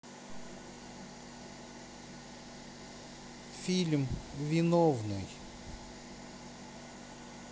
фильм виновный